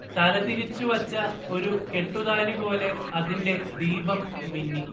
തലതിരിച്ചു വച്ച ഒരു കെട്ടുതാലിപോലെ അതിന്റെ ദീപം മിന്നി